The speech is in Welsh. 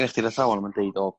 genna chdi'r athrawon ma'n deud o